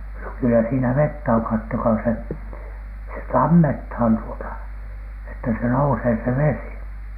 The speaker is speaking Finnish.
no kyllä siinä vettä on katsokaa se se tammetaan tuota että se nousee se vesi